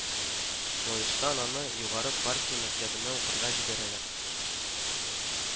Лаештан аны югары партия мәктәбенә укырга җибәрәләр